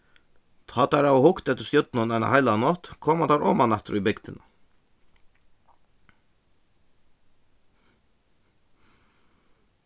tá teir hava hugt eftir stjørnum eina heila nátt koma teir oman aftur í bygdina